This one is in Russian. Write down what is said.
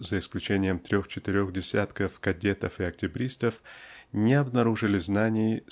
за исключением трех-четырех десятков кадетов и октябристов не обнаружили знаний